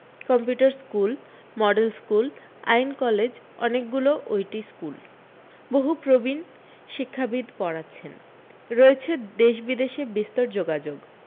computer school model school আইন college অনেকগুলো ঐটি স্কুল বহু প্রবীণ শিক্ষাবিদ পড়াচ্ছেন রয়েছে দেশ বিদেশে বিস্তর যোগাযোগ